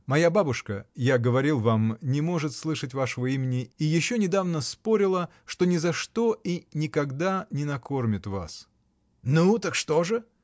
Моя бабушка — я говорил вам, не может слышать вашего имени и еще недавно спорила, что ни за что и никогда не накормит вас. — Ну так что же?